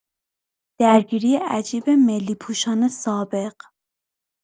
درگیری عجیب ملی‌پوشان سابق؛